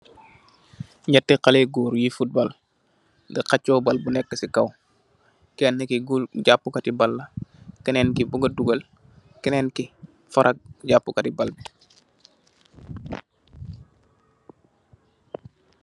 Ñetti xalèh gór yu futbol, di xaccu bal bu nekka ci kaw, Kenna ki japakati bal la, kenenki baga dugal, kenenki faral japakati bal bi.